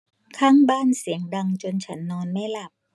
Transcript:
ข้างบ้านเสียงดังจนฉันนอนไม่หลับ